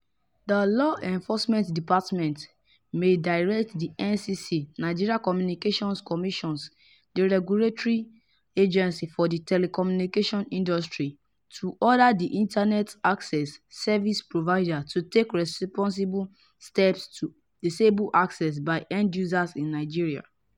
The Law Enforcement Department may direct the NCC [Nigerian Communications Commission – the regulatory agency for the telecommunication industry] to order the internet access service provider to take reasonable steps to disable access by end-users in Nigeria.